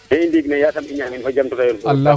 ndiik ne yasam i madin fa jem tete yoon fo o wod